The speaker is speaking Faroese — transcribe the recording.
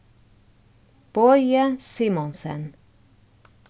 bogi simonsen